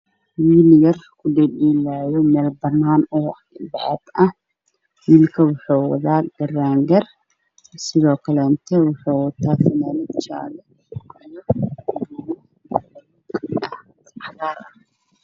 Halkaan waxaa ka muuqdo wiil yar oo fanaanad jaalo iyo buumo cagaar ah waxa uu ku ciyaarayaa garaangar